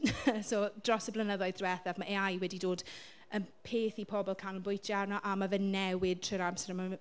So dros y blynyddoedd diwethaf mae AI wedi dod yn peth i pobl canolbwyntio arno. A mae fe'n newid trwy'r amser, ma' fe'n...